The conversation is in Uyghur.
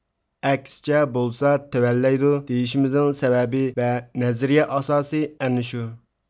ئەكسىچە بولسا تۆۋەنلەيدۇ دېيىشىمىزنىڭ سەۋەبى ۋە نەزەرىيە ئاساسىي ئەنە شۇ